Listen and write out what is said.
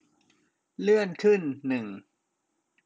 เลื่อนขึ้นหนึ่ง